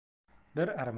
qulga qochmoq bir armon